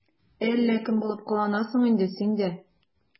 Әллә кем булып кыланасың инде син дә...